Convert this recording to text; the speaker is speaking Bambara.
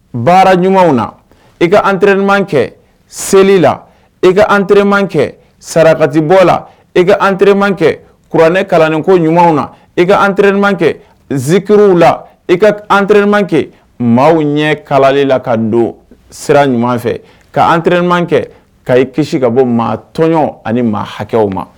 Baara ɲumanw na i ka antrin ɲuman kɛ seli la i ka an terirma kɛ sarati bɔ la e ka anrma kɛ kuranɛ kalan niko ɲuman na i ka anrin ɲuman kɛ zikiw la i ka antrmakɛ maaw ɲɛ kalali la ka don sira ɲuman fɛ ka anr ɲuman kɛ ka' i kisi ka bɔ maa tɔnɔn ani maa hakɛw ma